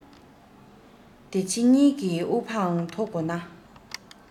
འདི ཕྱི གཉིས ཀྱི དབུ འཕངས མཐོ དགོས ན